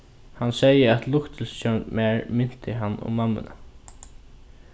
hann segði at luktilsið hjá mær minti hann um mammuna